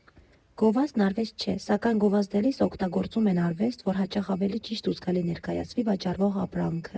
Գովազդն արվեստ չէ, սակայն գովազդելիս օգտագործում են արվեստ, որ հաճախ ավելի ճիշտ ու զգալի ներկայացվի վաճառվող ապրանքը։